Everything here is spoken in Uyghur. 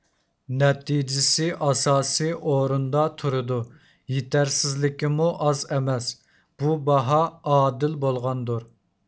نەتىجىسى ئاساسىي ئورۇندا تۇرىدۇ يېتەرسىزلىكىمۇ ئاز ئەمەس بۇ باھا ئادىل بولغاندۇر